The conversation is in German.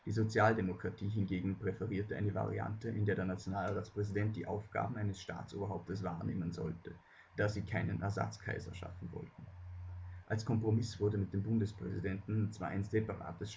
Sozialdemokratie hingegen präferierte eine Variante in der der Nationalratspräsident die Aufgaben eines Staatsoberhauptes wahrnehmen sollte, da sie keinen „ Ersatzkaiser “schaffen wollten. Als Kompromiss wurde mit dem Bundespräsidenten zwar ein separates